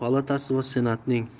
palatasi va senatining